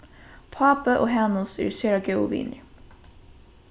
pápi og hanus eru sera góðir vinir